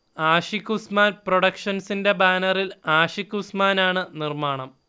ആഷിക്ഉസ്മാൻ പ്രൊഡക്ഷൻസിന്റെ ബാനറിൽ ആഷിഖ് ഉസ്മാനാണ് നിർമാണം